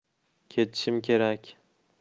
ketishim kerak